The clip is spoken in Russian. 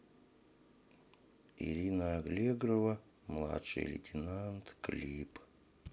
ирина аллегрова младший лейтенант клип